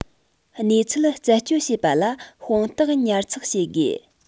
གནས ཚུལ རྩད གཅོད བྱེད པ ལ དཔང རྟགས ཉར ཚགས བྱེད དགོས